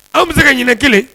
Aw bi se ka ɲinɛ kelen ?